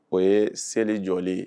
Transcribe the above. O ye seli jɔlen